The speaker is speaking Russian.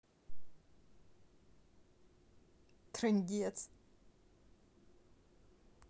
трындец